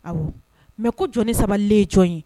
Aw mɛ ko jɔnni sabalen jɔn ye